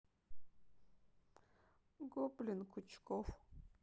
гоблин кучков